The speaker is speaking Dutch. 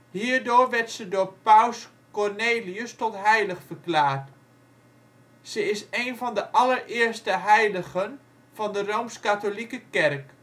Hierdoor werd ze door paus Cornelius tot heilige verklaard. Ze is een van de allereerste heiligen van de Rooms-katholieke Kerk